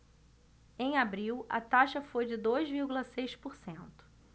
em abril a taxa foi de dois vírgula seis por cento